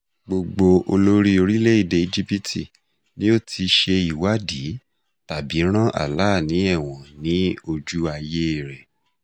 Gbogbo olórí orílẹ̀-èdè Íjípìtì ni ó ti ṣe ìwádìí tàbí rán Alaa ní ẹ̀wọ̀n ní ojú ayée rẹ̀.